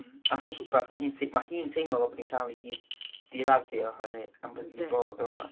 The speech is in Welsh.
ac os wbath ma' hi'n tei- ma' hi'n teimlo fel bod hi'n cael ei di- diraddio oherwydd am bod hi 'di bod o 'ma.